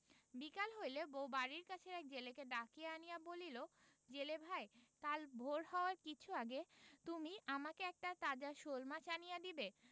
বিকাল হইলে বউ বাড়ির কাছের এক জেলেকে ডাকিয়া আনিয়া বলিল জেলে ভাই কাল ভোর হওয়ার কিছু আগে তুমি আমাকে একটি তাজা শোলমাছ আনিয়া দিবে